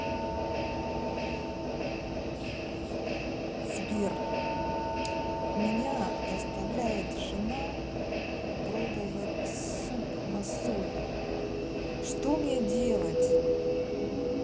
сбер меня заставляет жена пробовать суп на соль что мне делать